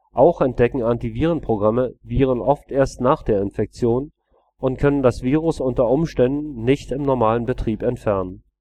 Auch entdecken Antivirenprogramme Viren oft erst nach der Infektion und können das Virus unter Umständen nicht im normalen Betrieb entfernen